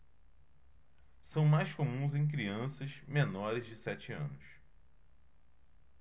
são mais comuns em crianças menores de sete anos